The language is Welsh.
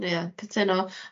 Dwi yn cytuno.